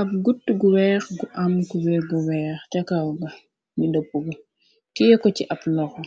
ab gutt gu weex gu am kuweeggu weex ca kawga ni dëppgu tie ko ci ab ldoxu